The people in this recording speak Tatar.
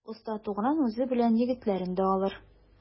Оста Тугран үзе белән егетләрен дә алыр.